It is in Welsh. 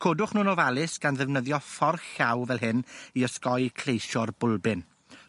Codwch nw'n ofalus gan ddefnyddio fforch llaw fel hyn i osgoi cleisio'r bwlbyn.